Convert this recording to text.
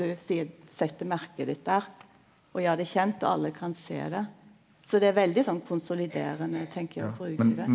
du seier set merket ditt der og gjer det kjent og alle kan sjå det så det er veldig sånn konsoliderande tenker eg å bruke det.